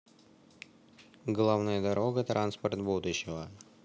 главная дорога транспорт будущего